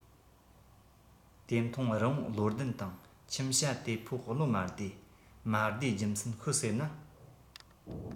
དེ མཐོང རི བོང བློ ལྡན དང ཁྱིམ བྱ དེ ཕོ བློ མ བདེ མ བདེའི རྒྱུ མཚན ཤོད ཟེར ན